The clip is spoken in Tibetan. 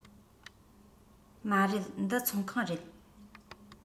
མ རེད འདི ཚོང ཁང རེད